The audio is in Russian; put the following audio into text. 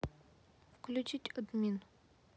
включить админ